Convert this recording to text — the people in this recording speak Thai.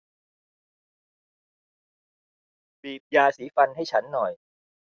บีบยาสีฟันให้ฉันหน่อย